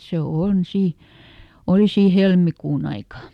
se on siinä oli siinä helmikuun aikaa